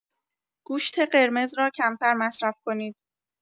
گوشت قرمز را کمتر مصرف کنید.